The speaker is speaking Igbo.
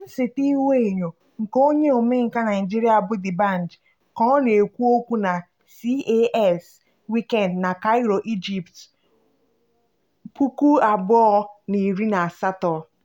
Nsetaihuenyo nke onye omenkà Naịjirịa bụ D'banj ka ọ na-ekwu okwu na CAX Weekend na Cairo, Egypt, 2018.